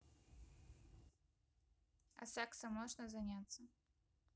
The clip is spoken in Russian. а сексом можно заняться